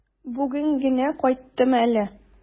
Бүген генә кайттым әле.